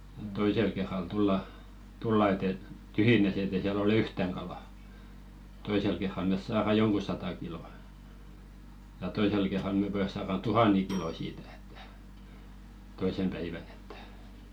että toisella kerralla tullaan tullaan että että tyhjinään että ei siellä ole yhtään kalaa toisella kerralla me saadaan jonkun sata kiloa ja toisella kerralla me pojat saadaan tuhannen kiloa siitä että toisena päivänä että